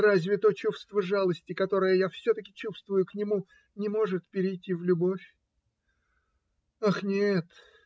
Разве то чувство жалости, которое я все-таки чувствую к нему, не может перейти в любовь? Ах, нет!